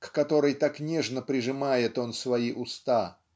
к которой так нежно прижимает он свои уста